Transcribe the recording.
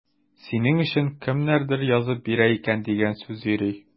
Синең өчен кемнәрдер язып бирә икән дигән сүз йөри.